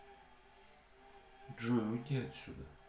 джой уйди отсюда